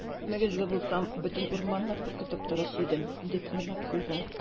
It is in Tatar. Мөгезле булсам, бөтен урманны куркытып торыр идем, - дип уйлап куйган.